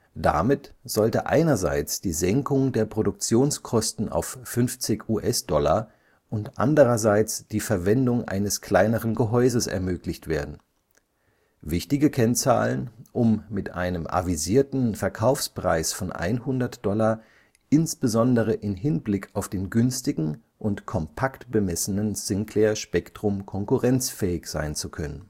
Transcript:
Damit sollte einerseits die Senkung der Produktionskosten auf 50 $ und andererseits die Verwendung eines kleineren Gehäuses ermöglicht werden – wichtige Kennzahlen, um mit einem anvisierten Verkaufspreis von 100 $ insbesondere in Hinblick auf den günstigen und kompakt bemessenen Sinclair Spectrum konkurrenzfähig sein zu können